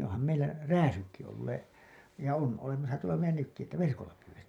onhan meillä rääsytkin olleet ja on olemassa tuolla meillä nytkin että verkolla pyydettiin